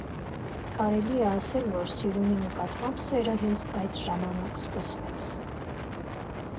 Կարելի ա ասել, որ սիրունի նկատմամբ սերը հենց այդ ժամանակ սկսեց։